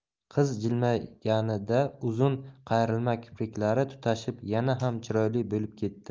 qiz jilmayganida uzun qayrilma kipriklari tutashib yana ham chiroyli bo'lib ketdi